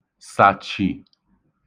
sàchì